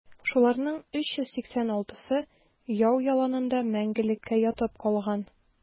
Шуларның 386-сы яу яланында мәңгелеккә ятып калган.